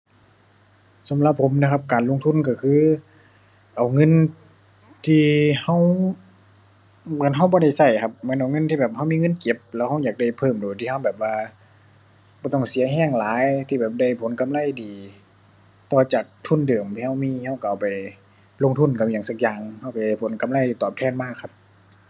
สำหรับผมนะครับ การลงทุนก็คือเอาเงินที่ก็ เหมือนก็บ่ได้ก็อะครับ เหมือนเอาเงินที่แบบก็มีเงินเก็บ แล้วก็อยากได้เพิ่มโดยที่ก็แบบว่าบ่ต้องไปเสียก็หลาย ที่แบบได้ผลกำไรดี ต่อจากทุนเดิมที่ก็มี ก็ก็เอาไปลงทุนกับอิหยังสักอย่าง ก็ก็ได้ผลกำไรตอบแทนมาครับ ⁠